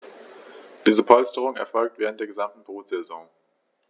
Diese Polsterung erfolgt während der gesamten Brutsaison.